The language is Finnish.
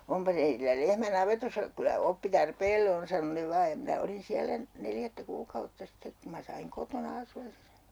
onpa teillä lehmä navetassa kyllä oppi tarpeelle on sanoi ne vain ja minä olin siellä neljättä kuukautta sitten kun minä sain kotona asua sen